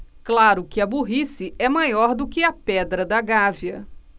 claro que a burrice é maior do que a pedra da gávea